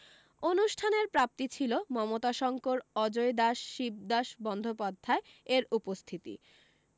অনুষ্ঠানের প্রাপ্তি ছিল মমতাশঙ্কর অজয় দাস শিবদাস বন্দ্যোপাধ্যায় এর উপস্থিতি